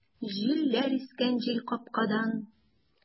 Җилләр искән җилкапкадан!